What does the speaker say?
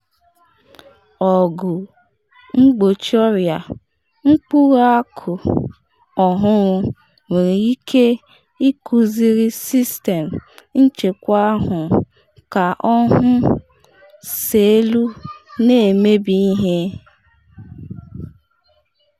Ọgwụ mgbochi ọrịa mkpụrụ akụ ọhụrụ nwere ike ikuziri sistem nchekwa ahụ ka ọ “hụ” selụ na-emebi ihe